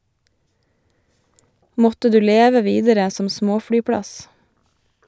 Måtte du leve videre som småflyplass!